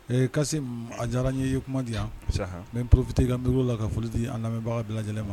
Ee kasi a diyara n ye ye kuma di yan mɛ poropte ka nbauru la ka foli di an lamɛnbaga bila lajɛlen ma